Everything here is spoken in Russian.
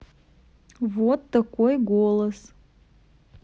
вот такой голос